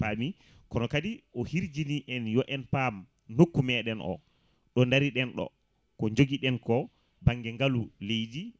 paami kono kadi o hirjini en yo en paam nokkumeɗen o ɗo daariɗen ɗo ko jogui ɗen ko banggue ngaalu leydi